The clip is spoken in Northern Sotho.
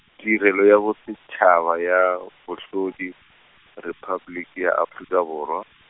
tirelo ya Bosetšhaba ya Bohlodi, Repabliki ya Afrika Borwa.